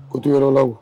Kotuyɔrɔlaw